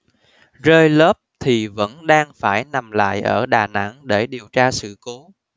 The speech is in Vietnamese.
rơi lốp thì vẫn đang phải nằm lại ở đà nẵng để điều tra sự cố